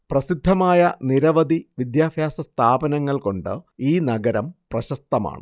പ്രസിദ്ധമായ നിരവധി വിദ്യാഭ്യാസ സ്ഥാപനങ്ങള്‍ കൊണ്ട് ഈ നഗരം പ്രശസ്തമാണ്